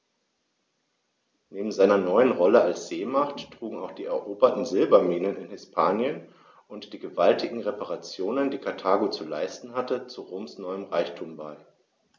Neben seiner neuen Rolle als Seemacht trugen auch die eroberten Silberminen in Hispanien und die gewaltigen Reparationen, die Karthago zu leisten hatte, zu Roms neuem Reichtum bei.